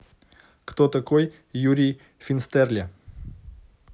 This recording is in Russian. кто такой юрий финстерле